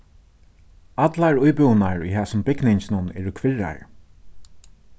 allar íbúðirnar í hasum bygninginum eru kvirrar